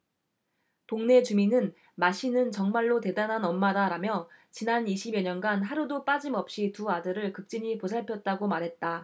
동네 주민은 마씨는 정말로 대단한 엄마다라며 지난 이십 여년간 하루도 빠짐없이 두 아들을 극진히 보살폈다고 말했다